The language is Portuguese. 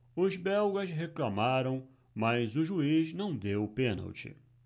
os belgas reclamaram mas o juiz não deu o pênalti